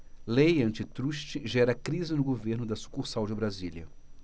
lei antitruste gera crise no governo da sucursal de brasília